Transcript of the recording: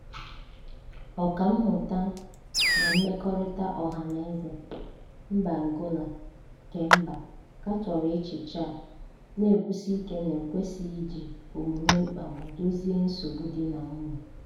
Ọka mmụta na mmekọrịta ọhanaeze Mbangula Kemba katọrọ echiche a, na-ekwusi ike na e kwesịghị iji omume mkpagbu dozie nsogbu di na nwunye.